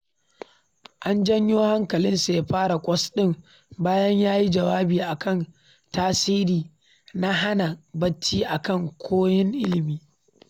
An janyo hankalinsa ya fara kwas ɗin bayan ya yi jawabi a kan tasiri na hana barci a kan koyon ilmi.